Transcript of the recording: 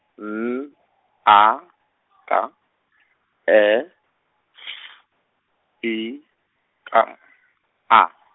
N, A , K, E, F, I, K, A.